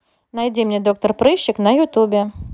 найди мне доктор прыщик на ютубе